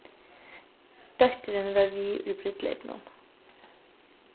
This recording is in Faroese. dóttirin var við í brúdleypinum